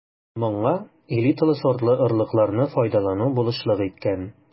Моңа элиталы сортлы орлыкларны файдалану булышлык иткән.